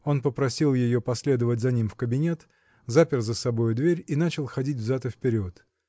Он попросил ее последовать за ним в кабинет, запер за собою дверь и начал ходить взад и вперед